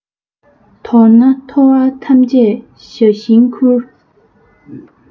མདོར ན མཐོ བ ཐམས ཅད ཞྭ བཞིན ཁུར